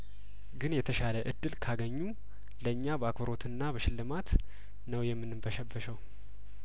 ግን የተሻለ እድል ካገኙ ለእኛ በአክብሮትና በሽልማት ነው የምንም በሸበሸው